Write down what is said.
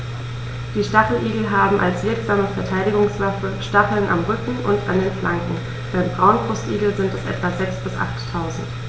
Die Stacheligel haben als wirksame Verteidigungswaffe Stacheln am Rücken und an den Flanken (beim Braunbrustigel sind es etwa sechs- bis achttausend).